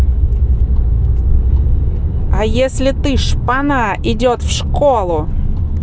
а если ты шпана идет в школу